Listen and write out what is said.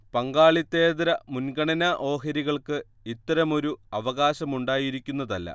പങ്കാളിത്തേതര മുൻഗണനാ ഓഹരികൾക്ക് ഇത്തരമൊരു അവകാശമുണ്ടായിരിക്കുന്നതല്ല